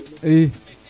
i